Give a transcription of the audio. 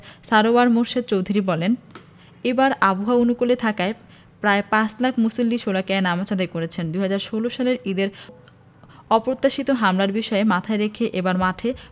সারওয়ার মুর্শেদ চৌধুরী বলেন এবার আবহাওয়া অনুকূলে থাকায় প্রায় পাঁচ লাখ মুসল্লি শোলাকিয়ায় নামাজ আদায় করেছেন ২০১৬ সালের ঈদের অপ্রত্যাশিত হামলার বিষয় মাথায় রেখে এবার মাঠে